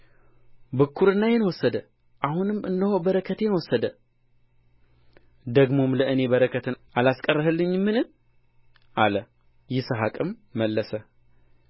ብኵርናዬን ወሰደ አሁንም እነሆ በረከቴን ወሰደ ደግሞም ለእኔ በረከትን አላስቀረህልኝምን አለ ይስሐቅም መለሰ